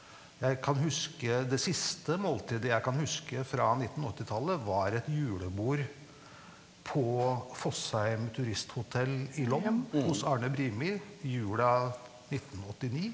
jeg kan huske det siste måltidet jeg kan huske fra nittenåttitallet var et julebord på Fossheim turisthotell i Lom hos Arne Brimi jula nittenåttini.